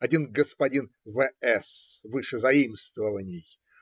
Один господин В. С. выше заимствований